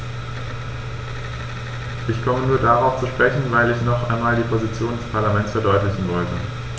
Ich komme nur darauf zu sprechen, weil ich noch einmal die Position des Parlaments verdeutlichen wollte.